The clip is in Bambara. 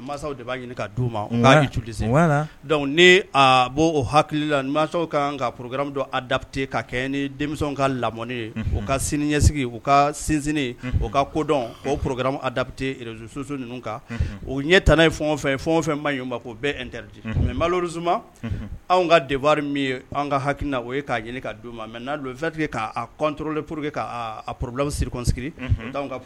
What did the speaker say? Te kɛ ni ka la sini ɲɛsigi ka sinsin ka kodɔn omapteresusu ninnu kan u ɲɛ t ye f ye fɛnfɛn ma' bɛɛ mɛ maloro anw ka dewari min ye an ka hakilikiina o ye k'a ɲini k ka d du ma mɛ n'a donti k'atolen pur que k' porola siri